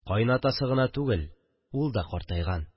Каенатасы гына түгел, ул да картайган